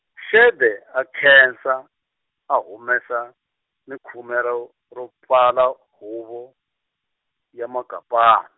Xede a nkhensa, a humesa, ni khume ro ro pfala huvo, ya Makapana.